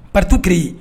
Patuur